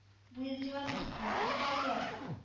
Бу издевательство, бу позор